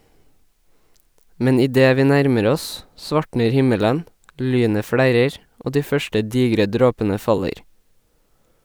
Men idet vi nærmer oss, svartner himmelen, lynet flerrer , og de første digre dråpene faller.